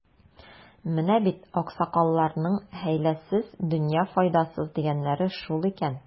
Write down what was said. Менә бит, аксакалларның, хәйләсез — дөнья файдасыз, дигәннәре шул икән.